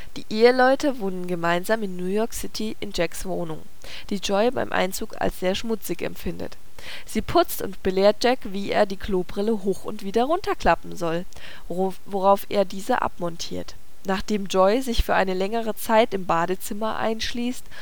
Die Eheleute wohnen gemeinsam in New York City in Jacks Wohnung, die Joy beim Einzug als sehr schmutzig empfindet. Sie putzt und belehrt Jack, wie er die Klobrille hoch - und wieder runterklappen soll, worauf er diese abmontiert. Nachdem Joy sich für eine längere Zeit im Badezimmer einschließt